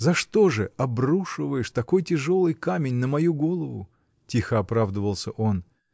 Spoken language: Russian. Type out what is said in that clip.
За что же обрушиваешь такой тяжелый камень на мою голову? — тихо оправдывался он.